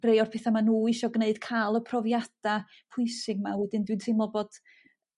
rhei o'r petha ma' nhw isio gneud ca'l y profiada pwysig 'ma wedyn dwi'n teimlo bod